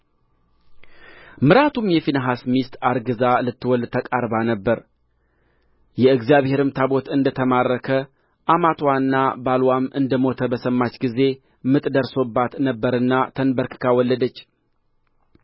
ምራቱም የፊንሐስ ሚስት አርግዛ ልትወልድ ተቃርባ ነበር የእግዚአብሔርም ታቦት እንደ ተማረከች አማትዋና ባልዋም እንደ ሞቱ በሰማች ጊዜ ምጥ ደርሶባት ነበርና ተንበርክካ ወለደች